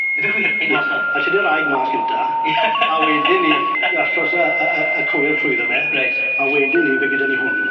Yfe wir? Hen hosan? Ie. A tynnu'r wraig mas cynta a wedyn ''ny arllws y y y y cwyr trwyddo fe. Reit. A wedyn 'ny fe gyda ni hwn.